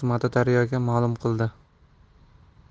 xizmati daryo ga ma'lum qildi